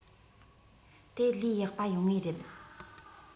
དེ ལས ཡག པ ཡོང ངེས རེད